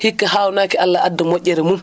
hikka haawnaaki Allah adda moƴƴere mum